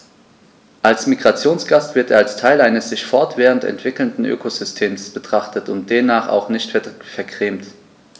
Als Migrationsgast wird er als Teil eines sich fortwährend entwickelnden Ökosystems betrachtet und demnach auch nicht vergrämt.